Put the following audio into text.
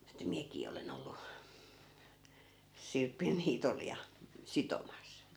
että minäkin olen ollut sirpin niitolla ja sitomassa